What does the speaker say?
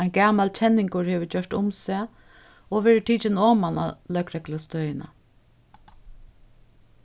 ein gamal kenningur hevur gjørt um seg og verður tikin oman á løgreglustøðina